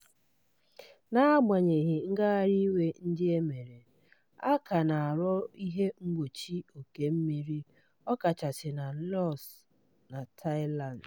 Na-agbanyeghị ngagharị iwe ndị e mere, a ka na-arụ ihe mgbochi oke mmiri, ọkachasị na Laos na Thailand.